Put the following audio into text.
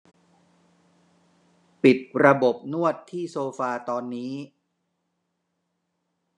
ปิดระบบนวดที่โซฟาตอนนี้